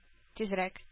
Тизрәк